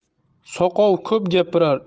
soqov ko'p gapirar